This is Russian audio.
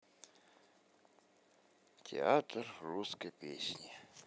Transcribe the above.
театр русской песни